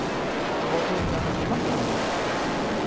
botinkani nima qilaman